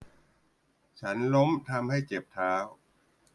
ฉันล้มทำให้เจ็บเท้า